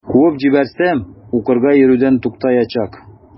Куып җибәрсәм, укырга йөрүдән туктаячак.